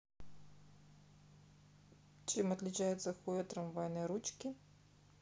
чем отличается хуй от трамвайной ручки